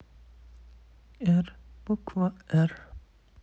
р буква р